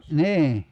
niin